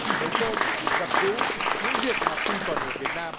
nấu cơm giặt giũ những việc mà khi còn ở việt nam